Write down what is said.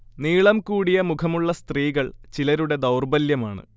നീളം കൂടിയ മുഖമുള്ള സ്ത്രീകൾ ചിലരുടെ ദൗർബല്യമാണ്